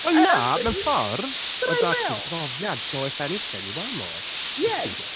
Wel na, mewn ffordd, oedd 'da ti profiad so if anything, you are more... ie ...experienced.